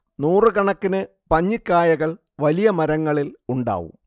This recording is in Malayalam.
നൂറുകണക്കിന് പഞ്ഞിക്കായകൾ വലിയ മരങ്ങളിൽ ഉണ്ടാവും